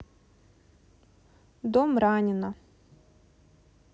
дом ранена